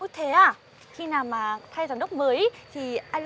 ô thế à khi nào mà thay giám đốc mới ý thì a lô